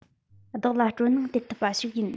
བདག ལ སྤྲོ སྣང སྟེར ཐུབ པ ཞིག ཡིན